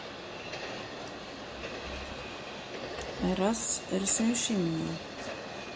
раз рассмеши меня